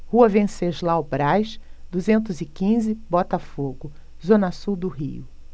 rua venceslau braz duzentos e quinze botafogo zona sul do rio